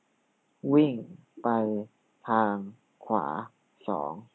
วิ่งไปทางขวาสอง